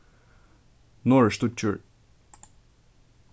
norðurstíggjur